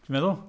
Ti'n meddwl?